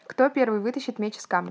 кто первый вытащит меч из камня